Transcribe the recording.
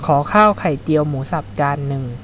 ขอข้าวไข่เจียวหมูสับจานนึง